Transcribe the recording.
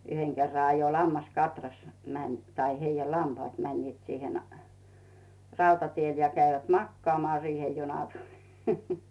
yhden kerran ajoi lammaskatras meni tai heidän lampaat menivät siihen rautatielle ja kävivät makaamaan siihen juna tuli